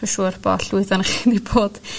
dwi'n siŵr bo' llwyth ohona chi 'di bod